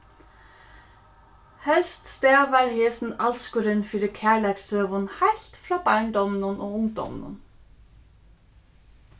helst stavar hesin alskurin fyri kærleikssøgum heilt frá barndóminum og ungdóminum